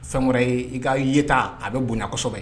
San wɛrɛ i' yeyita a bɛ bonya kosɛbɛ